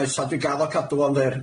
Oes a dwi'n gaddo cadw fo'n fyr.